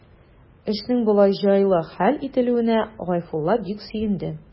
Эшнең болай җайлы хәл ителүенә Гайфулла бик сөенде.